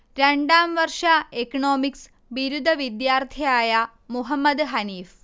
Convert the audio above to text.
രണ്ടാംവർഷ economics ബിരുദ വിദ്യാർത്ഥിയായ മുഹമ്മദ്ഹനീഫ്